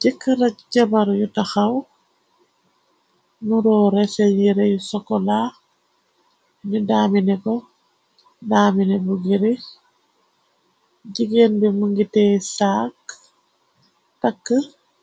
Jëkkar ak jabar yu taxaw nuróore sen yire sokola nu daamine ko daamine bu girin jigéen bi mëngi teey saak takk